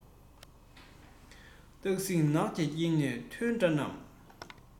སྟག གཟིག ནགས ཀྱི དཀྱིལ ནས ཐོན འདྲ རྣམས